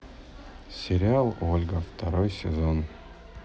сериал ольга второй сезон